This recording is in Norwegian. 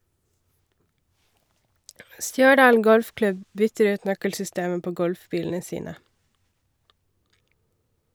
Stjørdal golfklubb bytter ut nøkkelsystemet på golfbilene sine.